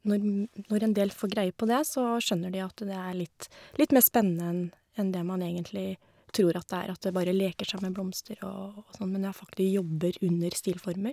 nårm Når en del får greie på det, så skjønner de at det er litt litt mer spennende enn enn det man egentlig tror at det er, at det bare leker seg med blomster og og sånn, men det er fak de jobber under stilformer.